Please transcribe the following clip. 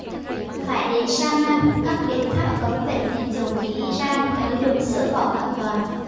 phải đến sang năm các biện pháp cấm vận ngành dầu khí iran mới được dỡ bỏ hoàn toàn